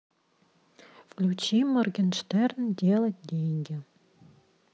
включи моргенштерн делать деньги